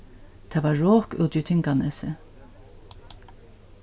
tað var rok úti í tinganesi